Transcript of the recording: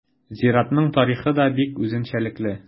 Зиратның тарихы да бик үзенчәлекле.